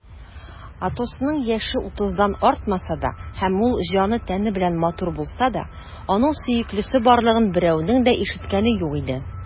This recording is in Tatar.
Атосның яше утыздан артмаса да һәм ул җаны-тәне белән матур булса да, аның сөеклесе барлыгын берәүнең дә ишеткәне юк иде.